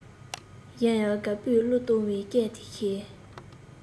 གཞན ཡང དགའ པོའི གླུ གཏོང བའི སྐད ཤེད